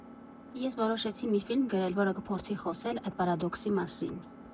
Ես որոշեցի մի ֆիլմ գրել, որը կփորձի խոսել այդ պարադոքսի մասին։